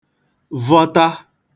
vọta